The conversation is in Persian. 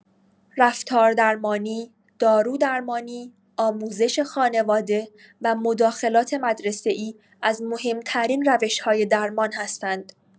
رفتاردرمانی، دارودرمانی، آموزش خانواده و مداخلات مدرسه‌ای از مهم‌ترین روش‌های درمان هستند.